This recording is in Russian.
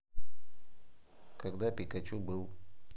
когда пикачу был